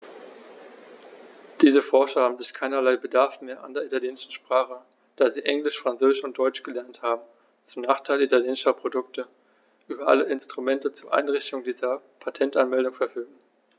Diese Forscher haben sicher keinerlei Bedarf mehr an der italienischen Sprache, da sie Englisch, Französisch und Deutsch gelernt haben und, zum Nachteil italienischer Produkte, über alle Instrumente zur Einreichung dieser Patentanmeldungen verfügen.